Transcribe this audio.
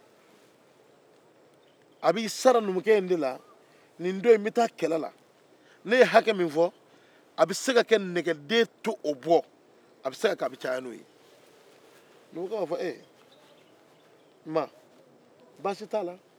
ne ye hake min fɔ a bɛ se ka kɛ nɛgɛden tɛ o bɔ walima a bɛ caya n'o ye a b'a fɔ baasi t' al n ma sira b'i bolo